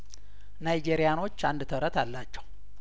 ናይጂሪያኖች አንድ ተረት አላቸው